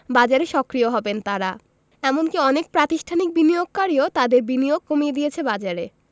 বাজারে সক্রিয় হবেন তাঁরা এমনকি অনেক প্রাতিষ্ঠানিক বিনিয়োগকারীও তাদের বিনিয়োগ কমিয়ে দিয়েছে বাজারে